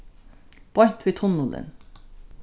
beint við tunnilin